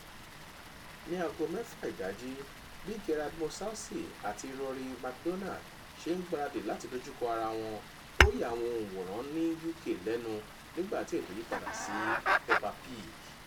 Ní 6am, bí Gegard Mousasi àti Rory MacDonald ṣe ń gbaradì láti dojúkọ ara wọn, ó ya àwọn òǹwòran ní UK lẹ́nu nígbàtí ètò yípadà sí Peppa Pig.